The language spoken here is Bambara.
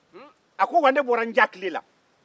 a ko wa ne bɔra n jatile la